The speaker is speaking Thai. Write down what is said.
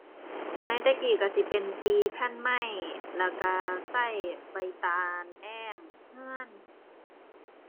สมัยแต่กี้ก็สิเป็นตีแผ่นไม้ แล้วก็ก็ใบตาลแอ้มก็